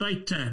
Reit te.